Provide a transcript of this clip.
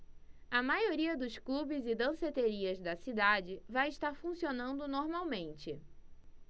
a maioria dos clubes e danceterias da cidade vai estar funcionando normalmente